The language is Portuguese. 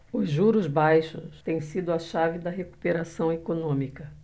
os juros baixos têm sido a chave da recuperação econômica